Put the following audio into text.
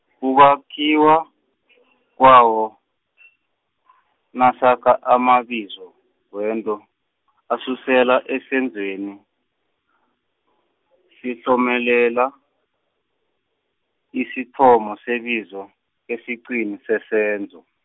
ukwakhiwa , kwawo , nasakha amabizo, wento, asuselwa ezenzweni , sihlomelela, isithomo sebizo, esiqwini sesenzo.